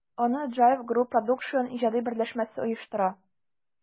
Аны JIVE Group Produсtion иҗади берләшмәсе оештыра.